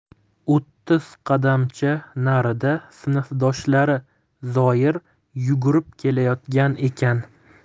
uttiz qadamcha narida sinfdoshlari zoir yugurib kelayotgan ekan